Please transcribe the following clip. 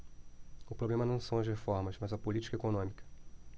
o problema não são as reformas mas a política econômica